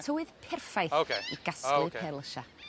Tywydd perffaith i gasglu perlysia.